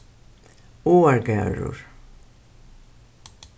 áargarður